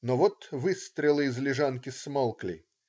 Но вот выстрелы из Лежанки смолкли.